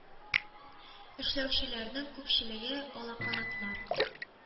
Эшләүчеләрнең күпчелеге - алаканатлар.